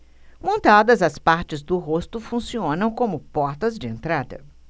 montadas as partes do rosto funcionam como portas de entrada